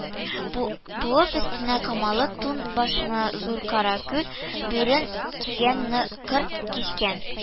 Буып, өстенә камалы тун, башына зур каракүл бүрек кигән; кырт кискән